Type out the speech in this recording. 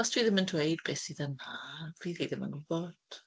Os dwi ddim yn dweud beth sydd yna, fydd hi ddim yn gwbod.